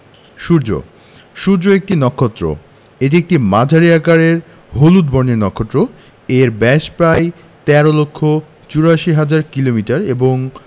সূর্যঃ সূর্য একটি নক্ষত্র এটি একটি মাঝারি আকারের হলুদ বর্ণের নক্ষত্র এর ব্যাস প্রায় ১৩ লক্ষ ৮৪ হাজার কিলোমিটার এবং